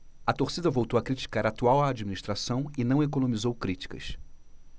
a torcida voltou a criticar a atual administração e não economizou críticas